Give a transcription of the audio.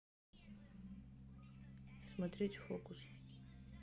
смотреть фокус